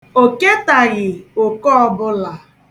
O ketaghị oke ọbụla.